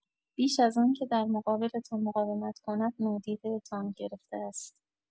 بیش از آنکه در مقابلتان مقاومت کند، نادیده‌تان گرفته است.